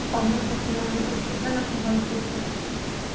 opamning xo'rsinganini eshitib yana uyg'onib ketdim